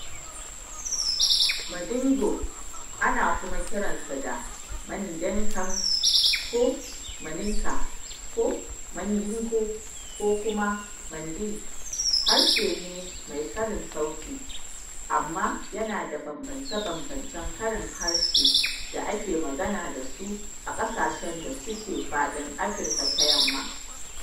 Mandingo ( ana kuma kira sa da Mandenkan ko Maninka ko Mandingo ko kuma Manding) harshe ne mai karin sauti, amma yana da bambance-bambancen karin harshe da ake magana da su a ƙasashen da suke faɗin Afirka ta Yamma.